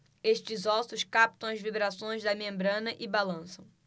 estes ossos captam as vibrações da membrana e balançam